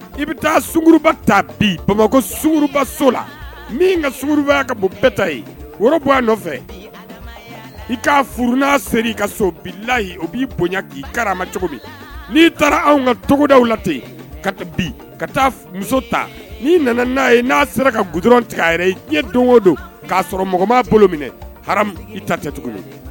I bɛ taa sunba ta bi bamakɔba so la min ka ka bon bɛɛta ye woro a nɔfɛ i furu n'a sera i ka so layi o b'i bonya k'i kara cogo n' taara anw ka togoda la ten ka ka taa muso ta n' nana n'a ye n'a sera ka gdi tigɛ yɛrɛ ye don o don k'a sɔrɔ mɔgɔ bolo minɛ ta